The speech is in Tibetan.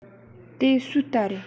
དེ སུའུ རྟ རེད